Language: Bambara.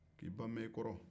k'i ba mɛn i kɔrɔ